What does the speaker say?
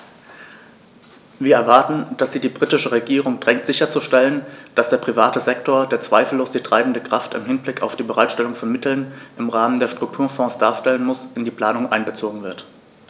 Wir erwarten, dass sie die britische Regierung drängt sicherzustellen, dass der private Sektor, der zweifellos die treibende Kraft im Hinblick auf die Bereitstellung von Mitteln im Rahmen der Strukturfonds darstellen muss, in die Planung einbezogen wird.